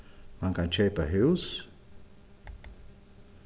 mann kann keypa hús